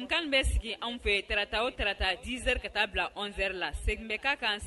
Bɛ sigi anw fɛ tarata o tarata dzeri ka taa bila anwɛri la segin bɛ kan kan